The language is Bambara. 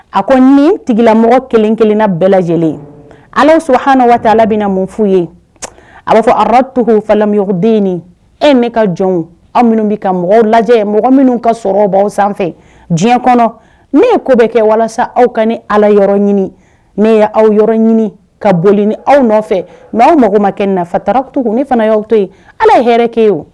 A ko ni tigilamɔgɔ kelen kelenna bɛɛ lajɛlen ala sɔn h waati ala bɛna na mun f' ye a b'a fɔ a to faladen e ne ka jɔn aw minnu bɛ ka mɔgɔw lajɛ mɔgɔ minnu ka sɔrɔbaw sanfɛ diɲɛ kɔnɔ ne ye ko bɛ kɛ walasa aw ka ni ala yɔrɔ ɲini ne ye aw yɔrɔ ɲini ka boli ni aw nɔfɛ nka aw mago ma kɛ nafataratu ne fana y'aw to yen ala ye hɛrɛ ke o